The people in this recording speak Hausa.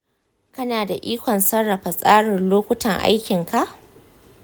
kana da ikon sarrafa tsarin lokutan aikinka?